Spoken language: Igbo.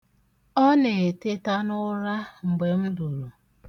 Ọ na-eteta n'ụra mgbe m luru.